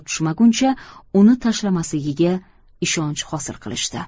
tushmaguncha uni tashlamasligiga ishonch hosil qilishdi